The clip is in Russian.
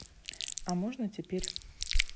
а можно теперь